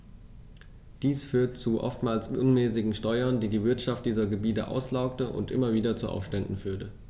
Dies führte zu oftmals unmäßigen Steuern, die die Wirtschaft dieser Gebiete auslaugte und immer wieder zu Aufständen führte.